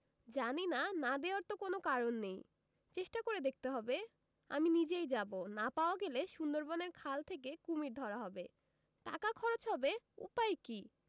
জানি না না দেওয়ার তো কোন কারণ নেই চেষ্টা করে দেখতে হবে আমি নিজেই যাব না পাওয়া গেলে সুন্দরবনের খাল থেকে কুমীর ধরা হবে টাকা খরচ হবে উপায় কি